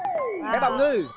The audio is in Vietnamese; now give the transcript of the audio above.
cá bào ngư